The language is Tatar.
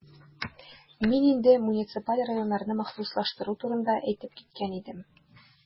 Мин инде муниципаль районнарны махсуслаштыру турында әйтеп киткән идем.